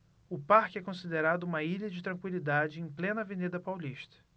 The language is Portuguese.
o parque é considerado uma ilha de tranquilidade em plena avenida paulista